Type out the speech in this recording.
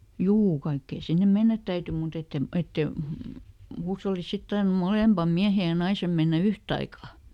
juu kaikkien sinne mennä täytyi mutta että en että ei huushollissa sitten tarvinnut molempien miehen ja naisen mennä yhtaikaa